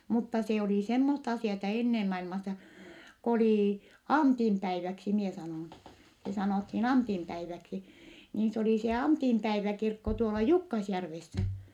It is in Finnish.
mutta se oli semmoista asiaa ennen maailmassa kun oli Antin päiväksi minä sanon se sanottiin Antin päiväksi niin se oli se Antinpäiväkirkko tuolla Jukkasjärvessä